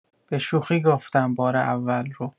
به‌شوخی گفتم بار اول رو